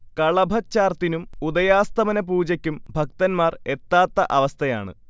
കളഭച്ചാർത്തിനും ഉദയാസ്തമന പൂജക്കും ഭക്തന്മാർ എത്താത്ത അവസ്ഥയാണ്